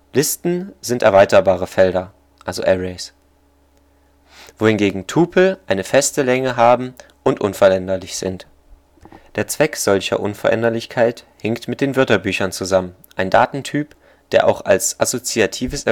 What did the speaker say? Listen sind erweiterbare Felder (Arrays), wohingegen Tupel eine feste Länge haben und unveränderlich sind. Der Zweck solcher Unveränderlichkeit hängt mit den Wörterbüchern zusammen, ein Datentyp, der auch als assoziatives